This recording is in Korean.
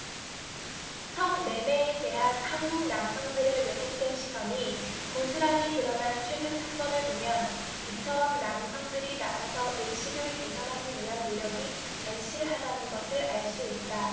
성 매매에 대한 한국 남성들의 왜곡된 시선이 고스란히 드러난 최근 사건을 보면 이처럼 남성들이 나서서 의식을 개선하기 위한 노력이 절실하다는 것을 알 수 있다